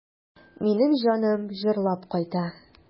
Минем җаным җырлап кайта.